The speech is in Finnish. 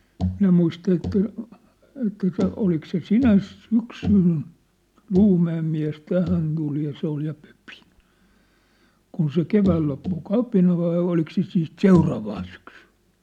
minä muista että että se oliko se sinä syksynä Luumäen mies tähän tuli ja se oli ja pöpi kun se keväällä loppui kapina vai oliko se sitten seuraavana syksynä